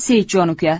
seitjon uka